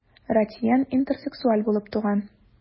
Ратьен интерсексуал булып туган.